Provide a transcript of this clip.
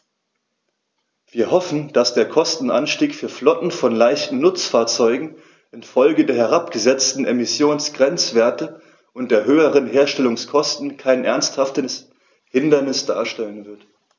Wir hoffen, dass der Kostenanstieg für Flotten von leichten Nutzfahrzeugen in Folge der herabgesetzten Emissionsgrenzwerte und der höheren Herstellungskosten kein ernsthaftes Hindernis darstellen wird.